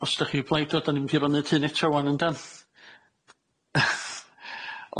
Os dach chi o blaid o 'dan ni mynd i orfo' neud hyn eto ŵan yndan?